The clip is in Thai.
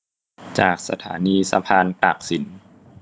จากสถานีสะพานตากสิน